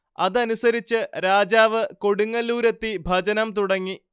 അതനുസരിച്ച് രാജാവ് കൊടുങ്ങല്ലൂരിലെത്തി ഭജനം തുടങ്ങി